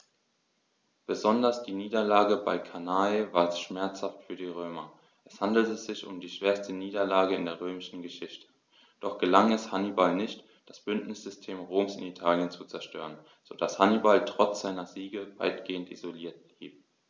Besonders die Niederlage bei Cannae war schmerzhaft für die Römer: Es handelte sich um die schwerste Niederlage in der römischen Geschichte, doch gelang es Hannibal nicht, das Bündnissystem Roms in Italien zu zerstören, sodass Hannibal trotz seiner Siege weitgehend isoliert blieb.